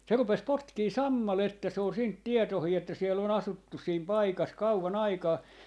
se rupesi potkimaan sammalta se oli siitä tietoinen että siellä on asuttu siinä paikassa kauan aikaa